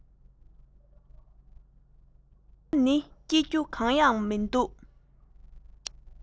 རྨི ལམ ནི སྐྱིད རྒྱུ གང ཡང མི འདུག